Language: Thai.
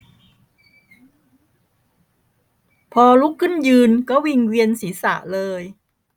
พอลุกขึ้นยืนก็วิงเวียนศีรษะเลย